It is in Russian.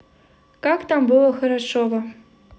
как там было хорошова